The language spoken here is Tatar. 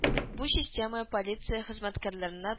Бу система полиция хезмәткәрләренә